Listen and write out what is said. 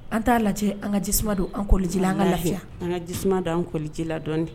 An t'a lajɛ an ŋa jisuma don an kɔliji LA an ŋa lafiya an ŋa jisuma don an kɔlijila dɔɔni